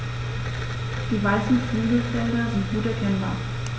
Die weißen Flügelfelder sind gut erkennbar.